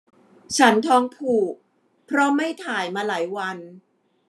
ฉันท้องผูกเพราะไม่ถ่ายมาหลายวัน